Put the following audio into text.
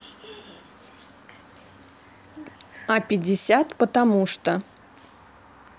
а пятьдесят тому что